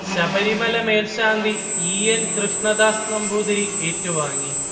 ശബരിമല മേൽശാന്തി E. N. Krishnadas Namboothiri ഏറ്റുവാങ്ങി